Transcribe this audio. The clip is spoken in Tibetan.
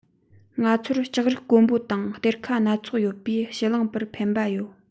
ང ཚོར ལྕགས རིགས དཀོན པོ དང གཏེར ཁ སྣ ཚོགས ཡོད པས ཕྱི གླིང པར ཕན པ ཡོད